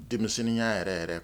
Denmisɛnnin y'a yɛrɛ yɛrɛ